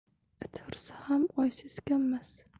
it hursa ham oy seskanmas